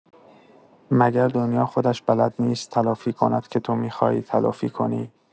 مگر دنیا خودش بلد نیست تلافی کند که تو می‌خواهی تلافی کنی؟!